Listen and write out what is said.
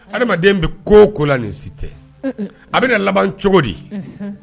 Adamaden bɛ ko ko la ni si tɛ a bɛna laban cogo di